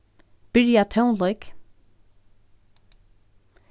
byrja tónleik